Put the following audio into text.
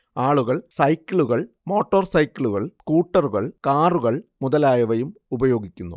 ആളുകൾ സൈക്കിളുകൾ മോട്ടോർ സൈക്കിളുകൾ സ്കൂട്ടറുകൾ കാറുകൾ മുതലായവയും ഉപയോഗിക്കുന്നു